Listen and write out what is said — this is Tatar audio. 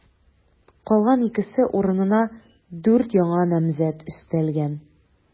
Калган икесе урынына дүрт яңа намзәт өстәлгән.